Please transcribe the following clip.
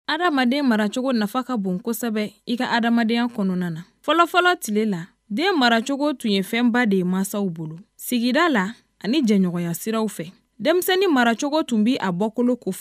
Adamaden maracogo nafa ka bon kosɛbɛ i ka adamadenya kɔnɔna na. Fɔlɔfɔlɔ tile la, den maracogo tun ye fɛn ba de ye mansaw bolo sigida la ani jɛɲɔgɔnya siraw fɛ. Denmisɛnnin maracogo tun bɛ a bɔkolo ko kɔf